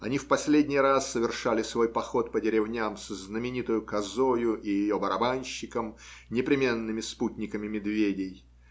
Они в последний раз совершали свой поход по деревням с знаменитою козою и ее барабанщиком, непременными спутниками медведей.